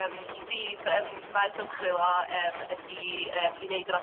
yym 'i brif yym maes ymchwil o yym ydi yym i wneud efo